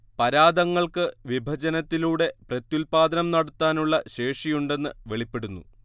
പരാദങ്ങൾക്ക് വിഭജനത്തിലൂടെ പ്രത്യുത്പാദനം നടത്താനുള്ള ശേഷിയുണ്ടെന്ന് വെളിപ്പെടുന്നു